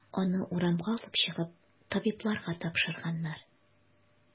Аны урамга алып чыгып, табибларга тапшырганнар.